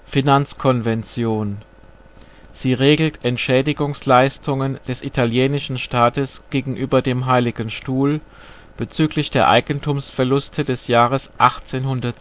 Finanzkonvention - regelt Entschädigungsleistungen des italienischen Staates gegenüber den Heiligen Stuhl bezüglich der Eigentumsverluste des Jahres 1870. Unter